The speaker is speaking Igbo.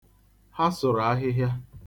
Ha sụrụ ahịhịa.